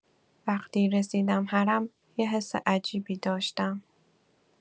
وقتی رسیدم حرم، یه حس عجیبی داشتم.